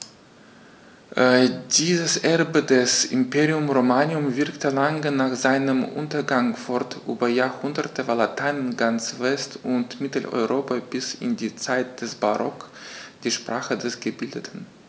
Dieses Erbe des Imperium Romanum wirkte lange nach seinem Untergang fort: Über Jahrhunderte war Latein in ganz West- und Mitteleuropa bis in die Zeit des Barock die Sprache der Gebildeten.